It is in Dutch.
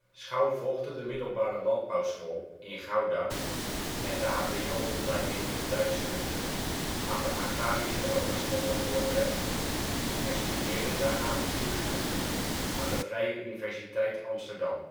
Schouw volgde de Middelbare Landbouwschool in Gouda en de hbo-opleiding bedrijfskunde aan de Agrarische Hogeschool van Dordrecht en studeerde daarna bestuurskunde aan de Vrije Universiteit Amsterdam